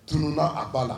Dunununba a fa la.